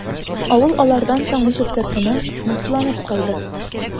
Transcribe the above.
Авыл алардан соң ничектер тынып, моңсуланып калды.